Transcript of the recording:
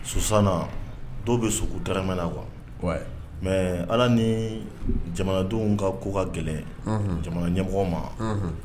Susan dɔw bɛ su u tarawelemɛ na wa mɛ ala ni jamanadenw ka ko ka gɛlɛn jamana ɲɛmɔgɔ ma